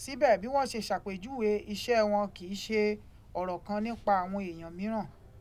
Síbẹ̀, bí wọ́n ṣe ṣàpèjúwe iṣẹ́ wọn kì í ṣe ọ̀rọ̀ kan nípa àwọn èèyàn mìíràn.